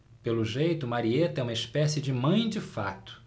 pelo jeito marieta é uma espécie de mãe de fato